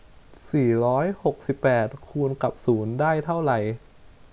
สี่ร้อยหกสิบแปดคูณกับศูนย์ได้เท่าไร